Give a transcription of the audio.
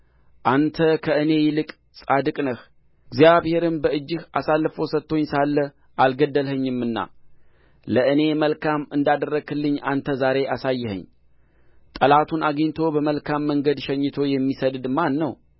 አንተ ከእኔ ይልቅ ጻድቅ ነህ እግዚአብሔርም በእጅህ አሳልፎ ሰጥቶኝ ሳለ አልገደልኸኝምና ለእኔ መልካም እንዳደረግህልኝ አንተ ዛሬ አሳየኸኝ ጠላቱን አግኝቶ በመልካም መንገድ ሸኝቶ የሚሰድድ ማን ነው